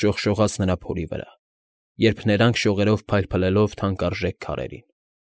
Շողշողաց նրա փորի վրա, երփներանգ շողերով փայլփլելով թանկարժեք քարերին։